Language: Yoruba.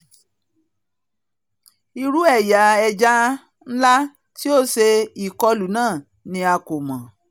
Irú ẹ̀yà ẹja ńlá tí ó ṣe ìkọluni náà ni a kò mọ̀.